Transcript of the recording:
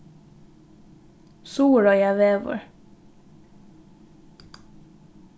suðuroyavegur